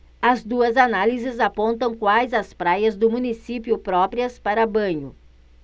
as duas análises apontam quais as praias do município próprias para banho